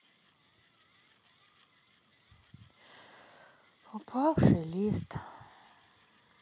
упавший лист